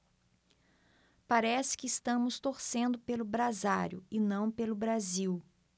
parece que estamos torcendo pelo brasário e não pelo brasil